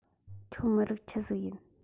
ཁྱོད མི རིགས ཆི ཟིག ཡིན